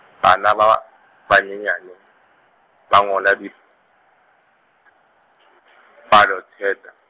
bana ba banyenyane, ba ngola dipalo thata.